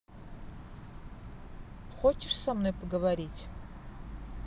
хочешь со мной поговорить